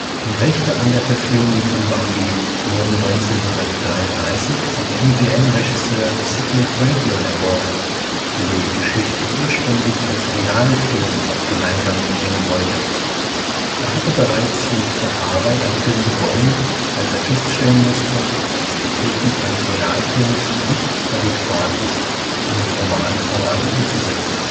Die Rechte an der Verfilmung von Bambi wurden 1933 vom MGM-Regisseur Sidney Franklin erworben, der die Geschichte ursprünglich als Realfilm auf die Leinwand bringen wollte. Er hatte bereits mit der Arbeit am Film begonnen, als er feststellen musste, dass die Technik eines Realfilms nicht adäquat ist, um die Romanvorlage umzusetzen